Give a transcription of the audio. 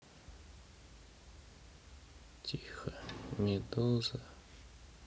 тихо медуза